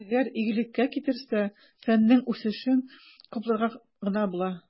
Әгәр игелеккә китерсә, фәннең үсешен хупларга гына була.